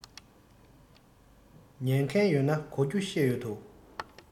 ཉན མཁན ཡོད ན གོ རྒྱུ བཤད ཡོད དོ